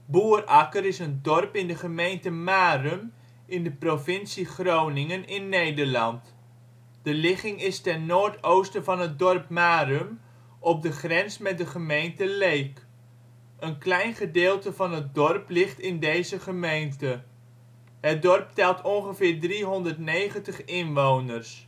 Boerakker is een dorp in de gemeente Marum in de provincie Groningen in Nederland. De ligging is ten noordoosten van het dorp Marum op de grens met de gemeente Leek. Een klein gedeelte van het dorp lig in deze gemeente. Het dorp telt ongeveer 390 inwoners